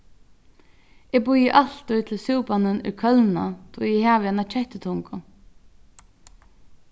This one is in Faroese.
eg bíði altíð til súpanin er kólnað tí eg havi eina kettutungu